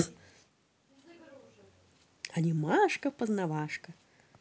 анимашка познавашка